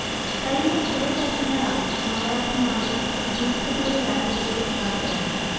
കഴിഞ്ഞ കുറേ വർഷങ്ങളായി നവരാത്രിനാളുകൾ ദീർഘദൂരയാത്രകളുടെ നാളുകളാണ്